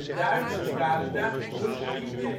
Duitsers waren na Koersk niet meer